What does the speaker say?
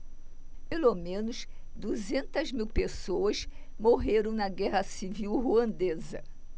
pelo menos duzentas mil pessoas morreram na guerra civil ruandesa